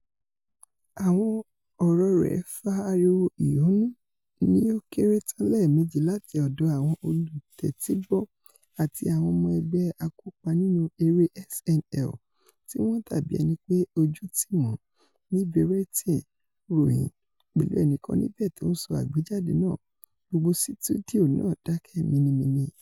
Àwọn ọ̀rọ̀ rẹ̀ fa ariwo ìhónú ní ó kéré tán lẹ́ẹ̀mẹjì láti ọ̀dọ̀ àwọn olùtẹ́tígbọ́ àti àwọn ọmọ ẹgbẹ́ akópá nínú eré SNL tíwọn dàbí ẹnipé ojú tìwọn, ni Variety ròyìn, pẹ̀lú ẹnìkan níbẹ̵̵̀ tó ńsọ àgbéjáde náà. ''Gbogbo situdio náà dákẹ́ minimini.''